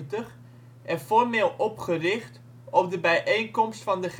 formeel opgericht op de bijeenkomst van de